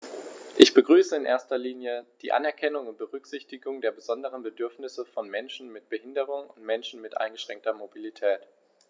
Ich begrüße in erster Linie die Anerkennung und Berücksichtigung der besonderen Bedürfnisse von Menschen mit Behinderung und Menschen mit eingeschränkter Mobilität.